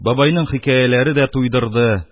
Бабайның хикәяләре дә туйдырды.